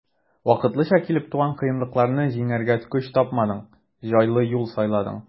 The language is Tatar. Вакытлыча килеп туган кыенлыкларны җиңәргә көч тапмадың, җайлы юл сайладың.